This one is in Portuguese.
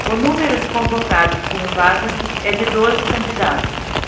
o número de convocados por vaga é de doze candidatos